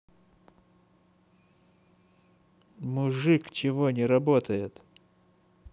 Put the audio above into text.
мужик чего не работает